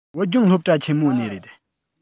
བོད ལྗོངས སློབ གྲྭ ཆེན མོ ནས རེད